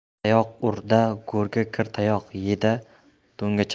tayoq ur da go'rga kir tayoq ye da do'ngga chiq